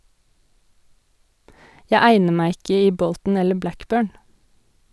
- Jeg egner meg ikke i Bolton eller Blackburn.